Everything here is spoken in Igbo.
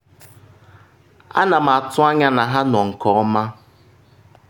A na m atụ anya na ha nọ nke ọma.”